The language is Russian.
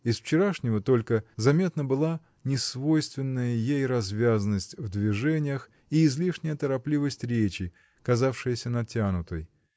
Из вчерашнего только заметна была несвойственная ей развязность в движениях и излишняя торопливость речи, казавшаяся натянутой.